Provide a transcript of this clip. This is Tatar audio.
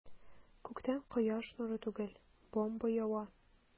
Күктән кояш нуры түгел, бомба ява.